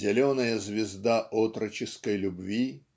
"зеленая звезда отроческой любви"